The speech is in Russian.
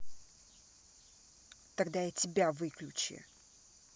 тогда я тебя выключи